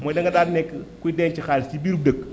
mooy danga daan nekk kuy denc xaalis ci biiru dëkk